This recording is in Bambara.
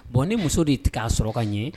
Bon ni muso de tigɛ' sɔrɔ ɲɛ